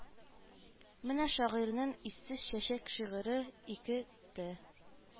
Менә шагыйрьнең Иссез чәчәк шигыре ике тэ